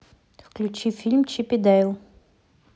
включи фильм чип и дейл